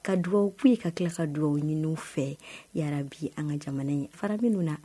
Ka du tun ye ka tila ka dugaw ɲini fɛ yabi an ka jamana ye fara minnu na